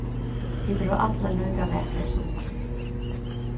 tit eru allar líka vakrar sum hon